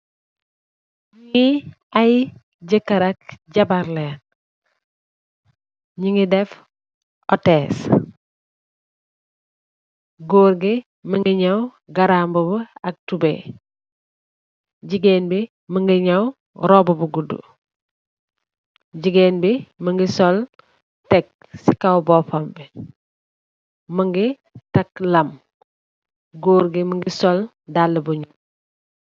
Ñii ay jëkër ak Jabar lañge, ñu ngi def, ottees. Goor gi mu ñaw grambuba ak tubooy, jigéen ji, mu ngi ñaw roobu bu guddu, jigéen ji, mu ngi sol tek si boopam bi, mu ngi takkë lam. Gorr bi mungi Sol daala by nyul.